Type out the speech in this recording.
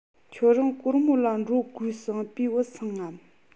ཁྱོད རང གོར མོ ལ འགྲོ དགོས གསུངས པས བུད སོང ངམ